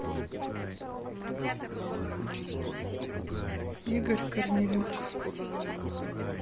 игорь корнелюк